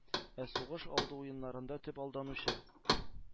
Ә сугыш алды уеннарында төп алданучы,